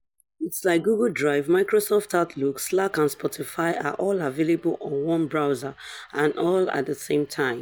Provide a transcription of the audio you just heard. It's like Google Drive, Microsoft Outlook, Slack and Spotify are all available on one browser and all at the same time.